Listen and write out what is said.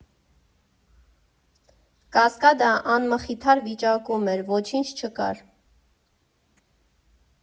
Կասկադը անմխիթար վիճակում էր, ոչինչ չկար։